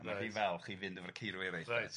mae'n rhy falch i fynd efo'r ceirw eraill... Reit...